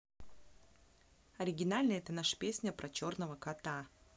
оригинальная это наша песня про черного кота